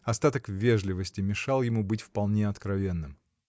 Остаток вежливости мешал ему быть вполне откровенным.